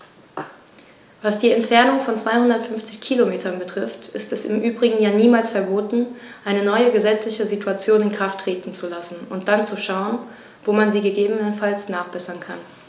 Was die Entfernung von 250 Kilometern betrifft, ist es im Übrigen ja niemals verboten, eine neue gesetzliche Situation in Kraft treten zu lassen und dann zu schauen, wo man sie gegebenenfalls nachbessern kann.